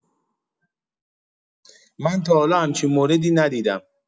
من تا حالا همچین موردی ندیدم.